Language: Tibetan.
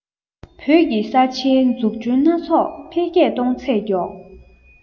བོད ཀྱི ས ཆའི འཛུགས སྐྲུན སྣ ཚོགས འཕེལ རྒྱས གཏོང ཚད མགྱོགས